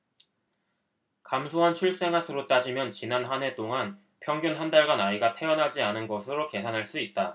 감소한 출생아 수로 따지면 지난 한 해 동안 평균 한 달간 아이가 태어나지 않은 것으로 계산할 수 있다